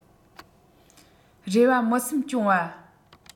རེ བ མི སེམས སྐྱོང བ